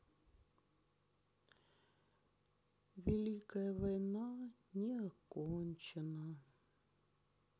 великая война не окончена